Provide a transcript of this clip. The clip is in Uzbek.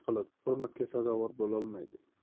qilib hurmatga sazovor bo'lolmaydi